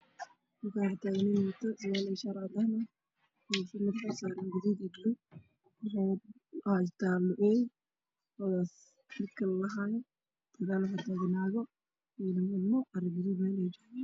Halkaan waxaa ka muuqdo sadex qof oo lo geesaha hayso mid kamid ah dadka waxa uu qabaa dhar cadaan ah